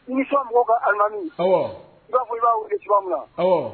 Sɔn mɔgɔw ka anani n ka foli b'aw wuli suma min na